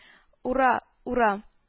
- ура, ура